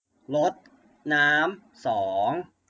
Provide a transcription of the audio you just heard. รดน้ำสอง